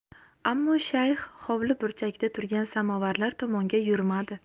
ammo shayx hovli burchagida turgan samovarlar tomonga yurmadi